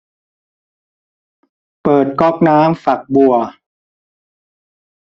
เปิดก๊อกน้ำฝักบัว